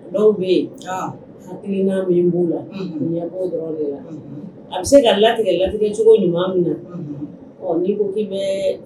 Dɔw be ye ɔnnh hakilina min b'u la unhun u ɲɛ b'o dɔrɔn de la unhun a be se ka latigɛ latigɛcogo ɲuman min na unhun ɔɔ n'i ko k'i bɛɛ